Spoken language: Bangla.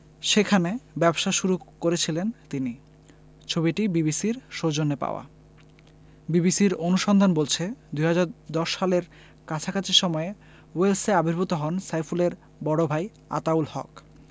সেখানে ব্যবসা শুরু করেছিলেন তিনি ছবিটি বিবিসির সৌজন্যে পাওয়া বিবিসির অনুসন্ধান বলছে ২০১০ সালের কাছাকাছি সময়ে ওয়েলসে আবির্ভূত হন সাইফুলের বড় ভাই আতাউল হক